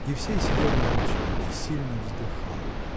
Евсей сидел молча и сильно вздыхал.